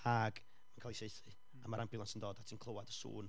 ac mae'n cael ei saethu, a ma'r ambiwlans yn dod, a ti'n clywed y sŵn,